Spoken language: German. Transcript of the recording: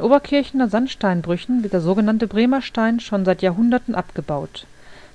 Obernkirchener Sandsteinbrüchen wird der sogenannte Bremer Stein schon seit Jahrhunderten abgebaut.